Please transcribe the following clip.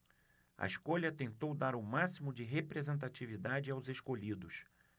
a escolha tentou dar o máximo de representatividade aos escolhidos